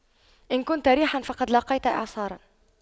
إن كنت ريحا فقد لاقيت إعصارا